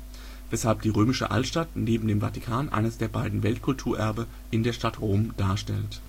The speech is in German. Weltkulturerbe in der Stadt Rom darstellt